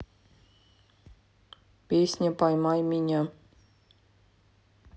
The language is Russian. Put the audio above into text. песня пойми меня